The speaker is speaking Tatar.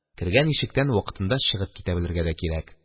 Кергән ишектән вакытында чыгып китә белергә дә кирәк.